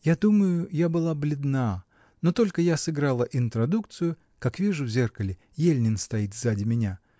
Я думаю, я была бледна: но только я сыграла интродукцию, как вижу в зеркале — Ельнин стоит сзади меня.